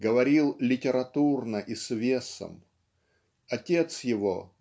"говорил литературно и с весом". Отец его